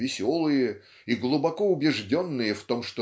веселые и глубоко убежденные в том